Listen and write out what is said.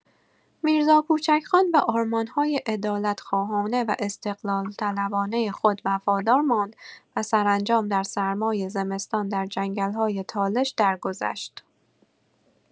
میرزا کوچک‌خان به آرمان‌های عدالت‌خواهانه و استقلال‌طلبانه خود وفادار ماند و سرانجام در سرمای زمستان در جنگل‌های تالش درگذشت.